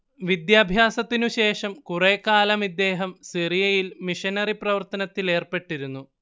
വിദ്യാഭ്യാസത്തിനുശേഷം കുറേക്കാലം ഇദ്ദേഹം സിറിയയിൽ മിഷനറി പ്രവർത്തനത്തിലേർപ്പെട്ടിരുന്നു